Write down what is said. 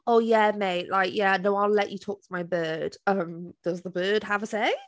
"Oh yeah mate like yeah no, I'll let you talk to my bird." Umm Does the bird have a say?